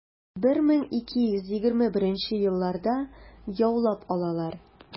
1221 елларда яулап алалар.